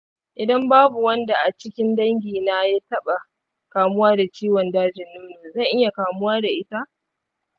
idan babu wanda a cikin dangina da ya taɓa kamuwa da ciwon dajin nono, zan iya kamuwa da ita?